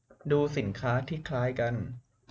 ดูสินค้าที่คล้ายกัน